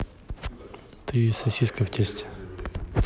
ты сосиска в тесте